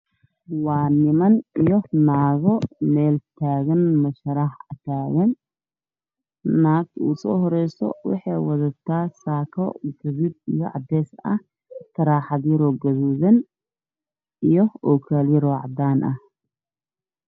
Waa hool waxaa iskugu imaaday niman iyo naago waxa ay fadhiyaan kuraas waxa ay wataan taroxado shaatiyo caddaan xijaabo madow